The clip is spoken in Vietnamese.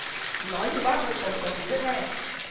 nói như bác ơi còn còn dễ nghe